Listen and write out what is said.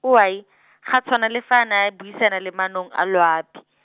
owai , ga tshwana le fa a ne a buisana le manong a loapi.